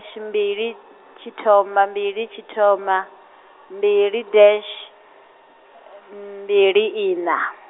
sh- mbili, tshithoma, mbili tshithoma, mbili dash, mbili ina.